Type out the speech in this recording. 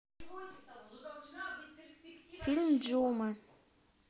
фильм джума